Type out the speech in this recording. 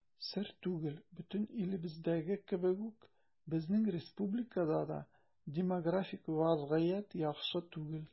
Сер түгел, бөтен илебездәге кебек үк безнең республикада да демографик вазгыять яхшы түгел.